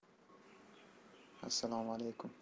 assalomu alaykum